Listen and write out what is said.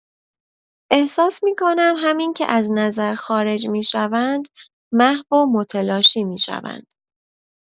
احساس می‌کنم همین که از نظر خارج می‌شوند محو و متلاشی می‌شوند.